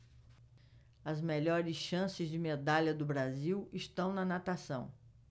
as melhores chances de medalha do brasil estão na natação